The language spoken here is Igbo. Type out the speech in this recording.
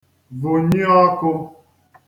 vụnyie ọkụ